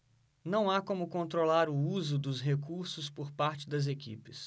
não há como controlar o uso dos recursos por parte das equipes